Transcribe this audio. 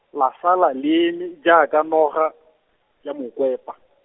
la sala le eme iaaka noga, ya mokwepa.